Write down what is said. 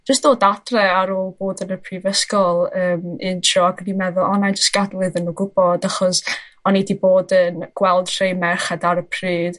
jyst dod adre ar ôl bod yn y prifysgol yym un tro ag o' fi meddwl o 'nai jys gadael iddyn nw gwbod achos o'n i 'di bod yn gweld rhei merched ar y pryd.